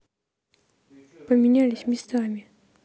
поменялись местами